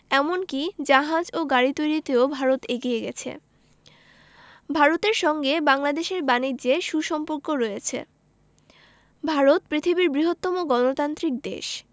এমন কি জাহাজ ও গাড়ি তৈরিতেও ভারত এগিয়ে গেছে ভারতের সঙ্গে বাংলাদেশের বানিজ্যে সু সম্পর্ক রয়েছে ভারত পৃথিবীর বৃহত্তম গণতান্ত্রিক দেশ